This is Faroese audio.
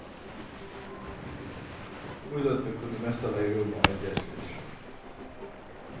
íløtini kunnu í mesta lagi kunnu rúma ein desilitur